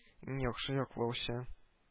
“иң яхшы яклаучы”